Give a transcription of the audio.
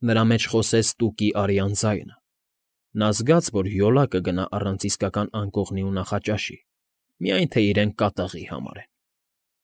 Նրա մեջ խոսեց Տուկի արյան ձայնը։ Նա զգաց, որ յոլա կգնա առանց իսկական անկողնու ու նախաճաշի, միայն թե իրեն կատաղի համարեն։